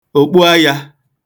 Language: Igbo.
òkpuayā